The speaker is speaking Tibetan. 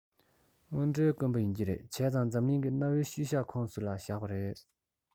དངོས འབྲེལ དཀོན པོ ཡིན གྱི རེད བྱས ཙང འཛམ གླིང གི གནའ བོའི ཤུལ བཞག ཁོངས སུ བཞག པ རེད